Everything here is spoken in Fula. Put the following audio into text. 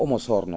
ngun sornoo